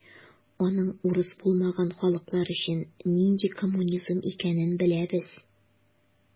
Аның урыс булмаган халыклар өчен нинди коммунизм икәнен беләбез.